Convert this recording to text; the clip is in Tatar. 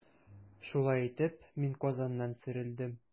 Шулай итеп, мин Казаннан сөрелдем.